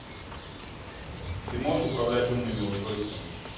ты можешь управлять умными устройствами